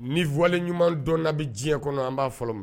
Niwa ɲumandon na bi diɲɛ kɔnɔ an b'a fɔ